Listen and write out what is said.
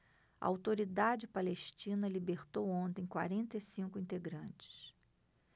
a autoridade palestina libertou ontem quarenta e cinco integrantes